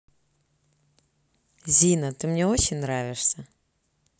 зина ты мне очень нравишься